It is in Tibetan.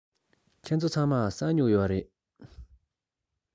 ཁྱེད ཚོ ཚང མར ས སྨྱུག ཡོད རེད